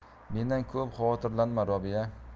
mendan ko'p xavotirlanma robiya